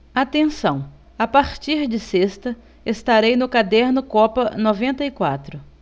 atenção a partir de sexta estarei no caderno copa noventa e quatro